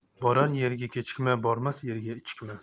borar yerga kechikma bormas yerga ichikma